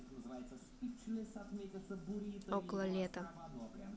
около лета